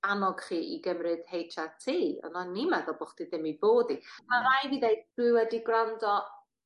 annog chi i gymryd Heitch Are Tee on' o'n i'n meddwl bo' chdi ddim i bod i. Ma' rai' fi ddeu dwi wedi gwrando